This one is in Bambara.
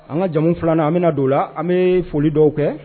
An ka jamu filanan an bɛna na don la an bɛ foli dɔw kɛ